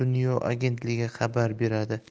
agentligi xabar berdi